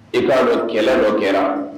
I k'a dɔn kɛlɛ dɔ kɛra